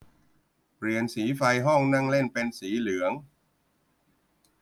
เปลี่ยนสีไฟห้องนั่งเล่นเป็นสีเหลือง